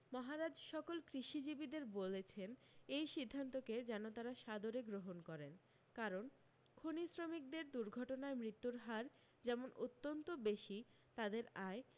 মহারাজ সকল কৃষিজীবিদের বলেছেন এই সিদ্ধান্তকে যেন তারা সাদরে গ্রহন করেন কারণ খনিশ্রমিকদের দুর্ঘটনায় মৃত্যুর হার যেমন অত্যন্ত বেশী তাদের আয়